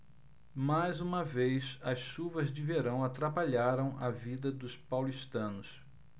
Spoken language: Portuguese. mais uma vez as chuvas de verão atrapalharam a vida dos paulistanos